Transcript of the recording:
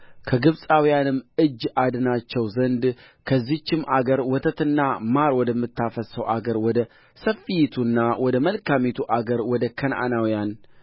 ከግብፃውያንም እጅ አድናቸው ዘንድ ከዚያችም አገር ወተትና ማር ወደምታፈስሰው አገር ወደ ሰፊይቱና ወደ መልካሚቱ አገር ወደ ከነዓናውያንም